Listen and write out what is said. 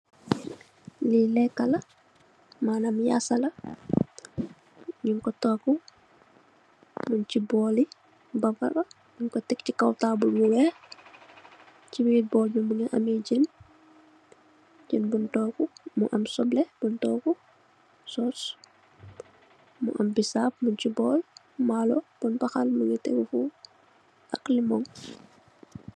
Lii lehkah la, manam yassa la, njung kor tohgu, mung chi borli barbarr njung kor tek chi kaw taabul bu wekh, chi birr borl bii mungy ameh jeun, jeun bungh tohgu, mu am sobleh bungh tohgu, sauce, mu am bisap mung chi borli, maarlor bungh bahal mungy tehgu fofu ak lemon.